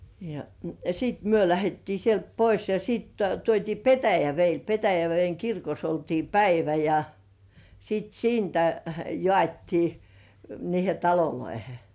ja sitten me lähdettiin sieltä pois ja sitten tuotiin Petäjävedelle Petäjäveden kirkossa oltiin päivä ja sitten siitä jaettiin niihin taloihin